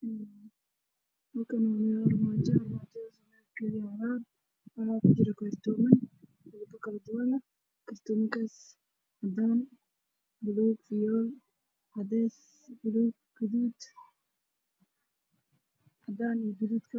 Meeshan waa dukaan waxaa ka muuqdo waxyeelo la gadaayo ama la iibinayo